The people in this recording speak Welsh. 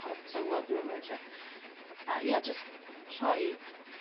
porfa tywod ne' be' bynnag 'lly. A ie jyst rhoid